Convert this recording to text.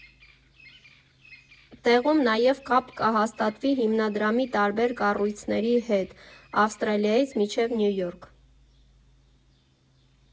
Տեղում նաև կապ կհաստատվի հիմնադրամի տարբեր կառույցների հետ՝ Ավստրալիայից մինչև Նյու Յորք։